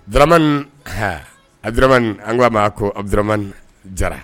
Dramani h abudurmani an k'a b'a ko adurmani jara